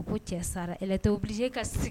A ko cɛ saratɛ bilisi ka